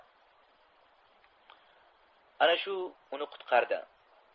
ana shu uni qutqardi